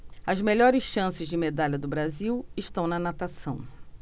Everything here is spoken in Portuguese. as melhores chances de medalha do brasil estão na natação